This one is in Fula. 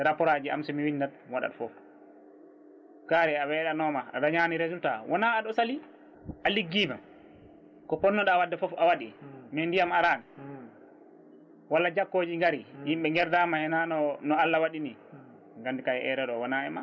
te rapport aji am somi windatmi waɗat foof kaari a meɗanoma a dañani résultat wona aɗa saali a ligguima ko ponnoɗa wadde foof a waɗi mais ndiyam arani walla jakkoje gaari yimɓe guedama ha no no Allah waɗi ni gandi erreur o wona e ma